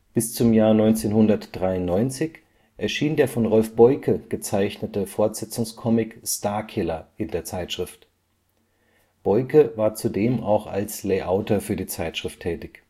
Bis zum Jahr 1993 erschien der von Rolf Boyke gezeichnete Fortsetzungscomic Starkiller in der Zeitschrift. Boyke war zudem auch als Layouter für die Zeitschrift tätig